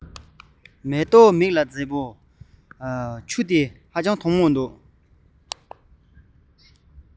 མེ ཏོག མཛེས པོ ཆུ བོ དྭངས མོ